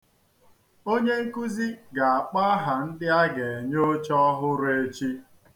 Onye nkuzi ga-akpọ aha ndị a ga-enye oche ọhụrụ echi.